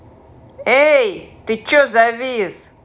эй ты что завис